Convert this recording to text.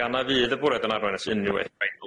Gan na fydd y bwriad yn arwain at unrhyw effaith